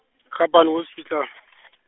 Gapane hospital.